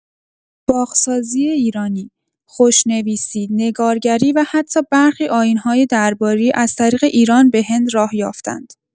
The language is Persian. باغ‌سازی ایرانی، خوشنویسی، نگارگری و حتی برخی آیین‌های درباری، از طریق ایران به هند راه یافتند.